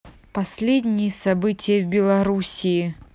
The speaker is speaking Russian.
последние события в белоруссии